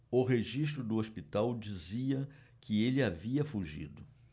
o registro do hospital dizia que ele havia fugido